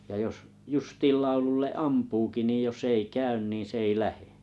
ja jos justiin laululle ampuukin niin jos ei käy niin se ei lähde